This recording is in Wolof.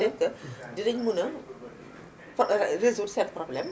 peut être que dinañu mën a pro résoudre seen problème